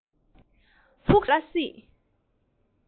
ཕུགས བསམ རེ མེད པ ག ལ སྲིད